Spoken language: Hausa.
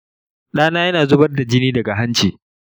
ɗana yana zubar da jini daga hanci